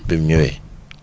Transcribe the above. bim ñëwee